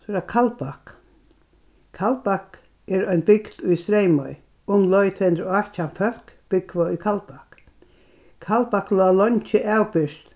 so er tað kaldbak kaldbak er ein bygd í streymoy umleið tvey hundrað og átjan fólk búgva í kaldbak kaldbak lá leingi avbyrgt